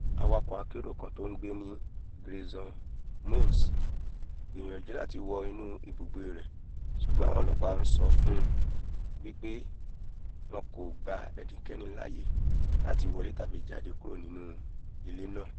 Awàkọ akérò kan tó ńgbé ní Grayson Mewṣ gbìyànjù láti wọ inú ibùgbé rẹ ṣùgbọ́n àwọn ọlọ́ọ̀pá ńsọ fún un wípé wọn kògba ́ẹnikẹ́nì láàyè láti wọlé tàbí jáde kúrò nínú ilé náà.